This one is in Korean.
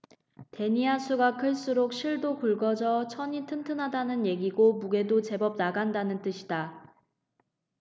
데니아 수가 클수록 실도 굵어져 천이 튼튼하다는 얘기고 무게도 제법 나간다는 뜻이다